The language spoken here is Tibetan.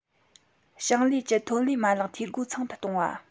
ཞིང ལས ཀྱི ཐོན ལས མ ལག འཐུས སྒོ ཚང དུ གཏོང བ